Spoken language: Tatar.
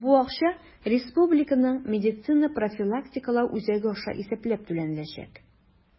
Бу акча Республиканың медицина профилактикалау үзәге аша исәпләп түләнеләчәк.